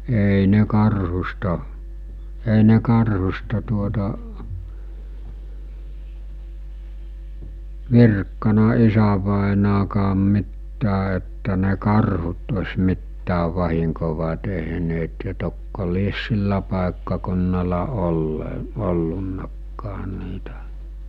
ei ne karhusta ei ne karhusta tuota virkkanut isävainajakaan mitään että ne karhut olisi mitään vahinkoa tehneet ja tokko lie sillä paikkakunnalla - ollutkaan niitä